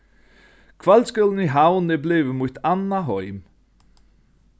kvøldskúlin í havn er blivið mítt annað heim